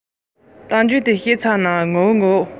གཏམ རྒྱུད རྫོགས པ ན རང ཉིད ཀྱང